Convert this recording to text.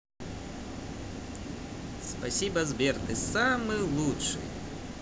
спасибо сбер ты самый лучший